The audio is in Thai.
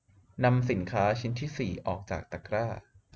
นำสินค้าชิ้นที่สี่ออกจากตะกร้า